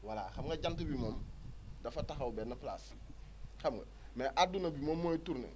voilà xam nga jant bi moom dafa taxaw benn place xam nga mais adduna bi moom mooy tourner